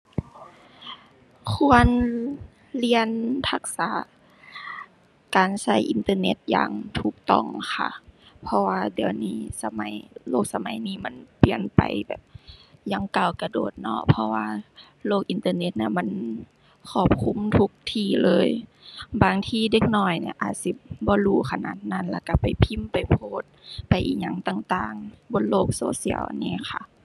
ควรเรียนทักษะการใช้อินเทอร์เน็ตอย่างถูกต้องค่ะ เพราะว่าเดี๋ยวนี้ สมัย โลกสมัยนี้มันเปลี่ยนไปแบบอย่างก้าวกระโดดเนาะ เพราะว่าโลกอินเทอร์เน็ตน่ะมันครอบคลุมทุกที่เลย บางทีเด็กน้อยเนี่ยอาจสิบ่รู้ขนาดนั้น แล้วใช้ไปพิมพ์ ไปโพสต์ ไปอิหยังต่างต่างบนโลกโซเชียลอันนี้ค่ะ